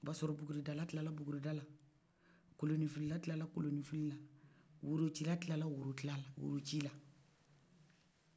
o b'a sɔrɔ buguri dala kilala buguri dala koloni filila kila koloni fila wɔrɔ cila kila wɔrɔ kilan na wɔrɔci la